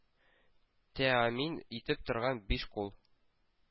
Тәэмин итеп торган биш күл)